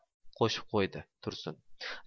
qo'shib qo'ydi tursun